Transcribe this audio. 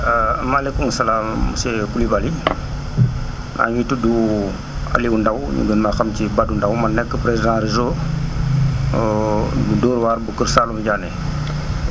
maaleykum salaam monsieur Coulibaly maa ngi tudd Aliou Ndao ñu gën maa xam ci Badou Ndao ma nekk président réseau bu Dóor waar bu kër Saalum Diané